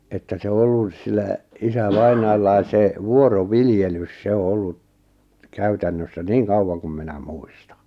että se on ollut sillä isävainajallakin se vuoroviljelys se on ollut käytännössä niin kauan kuin minä muistan